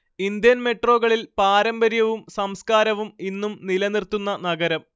Indian മെട്രോകളിൽ പാരമ്പര്യവും സംസ്കാരവും ഇന്നും നിലനിർത്തുന്ന നഗരം